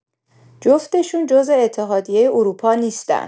جفتشون جز اتحادیه اروپا نیستن.